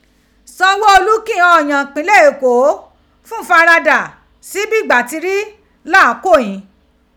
Sanwó Olú kí ighan onìyàn ìpínlẹ̀ Èkó fún ìfaradà sí bí ìgbà ti rí lásìkò ghín.